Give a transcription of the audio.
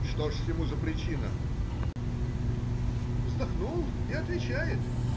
— Что же сему за причина? Вздохнул и отвечает